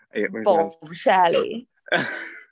Bombshelly